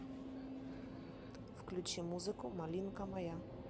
включи музыку малинка моя